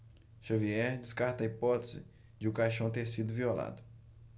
xavier descarta a hipótese de o caixão ter sido violado